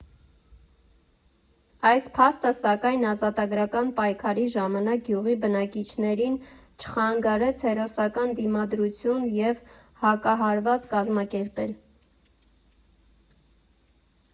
Այս փաստը, սակայն, ազատագրական պայքարի ժամանակ գյուղի բնակիչներին չխանգարեց հերոսական դիմադրություն և հակահարված կազմակերպել։